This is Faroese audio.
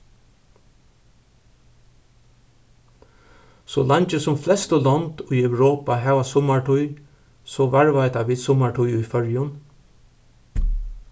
so leingi sum flestu lond í europa hava summartíð so varðveita vit summartíð í føroyum